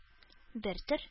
Бертөр